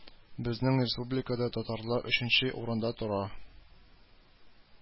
Безнең республикада татарлар өченче урында тора